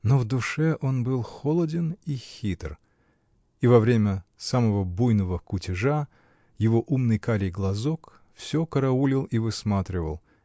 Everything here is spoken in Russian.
но в душе он был холоден и хитр, и во время самого буйного кутежа его умный карий глазок все караулил и высматривал